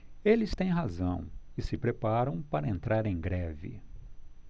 eles têm razão e se preparam para entrar em greve